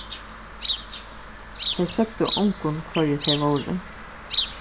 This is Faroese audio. tey søgdu ongum hvørji tey vóru